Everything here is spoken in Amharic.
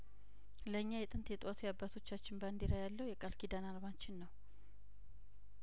ለኛ የጥንት የጠዋቱ የአባቶቻችን ባንዲራ ያለው የቃል ኪዳን አርማችን ነው